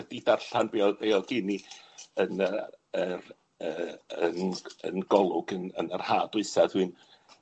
wedi darllan be' o'dd be' o'dd gen i yn yy yr yy yn yn Golwg yn yn yr haf dwitha dwi'n